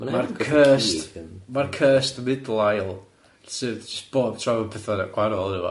Ma' 'na cursed, ma'r cursed middle aisle sydd jys bob tro 'fo petha gwahanol yndda fo.